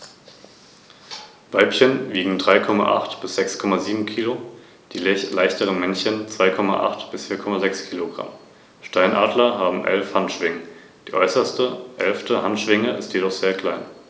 In seiner östlichen Hälfte mischte sich dieser Einfluss mit griechisch-hellenistischen und orientalischen Elementen.